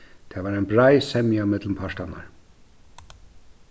tað var ein breið semja millum partarnar